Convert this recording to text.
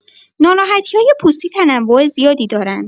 ناراحتی‌های پوستی تنوع زیادی دارند.